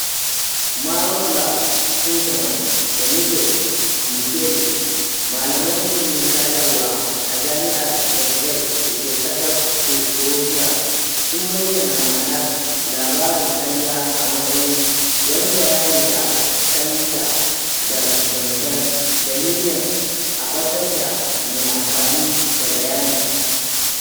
Miroslaɓ Tudjman da Niɓes Mikelic, malaman ilimin sadarwa a Jami'ar Zagreb da ke ƙasar Kuroshiya, sun bayyana ma'anar labarin ƙarya a matsayin "wani bayani da aka canja da gangan da niyyar a ɓatar da mai amfani da bayanin".